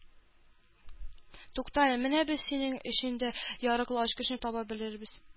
Туктале, менә без синең өчен дә яраклы ачкычны таба белербез